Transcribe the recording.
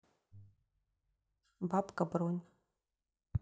бабка бронь